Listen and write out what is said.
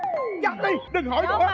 chắc đi đừng hỏi nữa